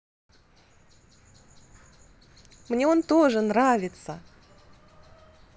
мне он тоже нравится